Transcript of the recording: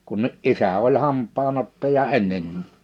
kun isä oli hampaan ottaja ennen